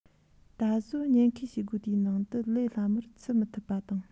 ད གཟོད ཉེན ཁའི བྱེད སྒོ དེའི ནང དུ ལས སླ མོར ཚུད མི ཐུབ པ དང